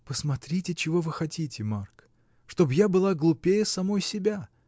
— Посмотрите, чего вы хотите, Марк: чтоб я была глупее самой себя!